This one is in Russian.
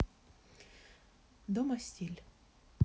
домостиль